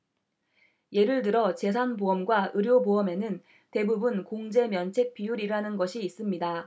예를 들어 재산 보험과 의료 보험에는 대부분 공제 면책 비율이라는 것이 있습니다